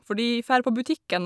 For de fær på butikken.